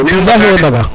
bilahi owey mbaga